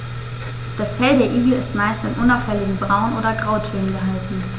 Das Fell der Igel ist meist in unauffälligen Braun- oder Grautönen gehalten.